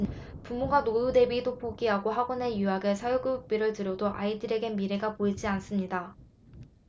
부모가 노후대비도 포기하고 학원에 유학에 사교육비를 들여도 아이들에겐 미래가 보이지 않습니다